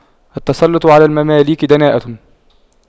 التسلُّطُ على المماليك دناءة